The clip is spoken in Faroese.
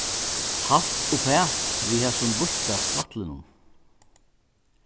halt uppat við hasum býtta tvætlinum